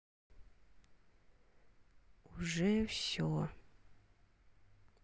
уже все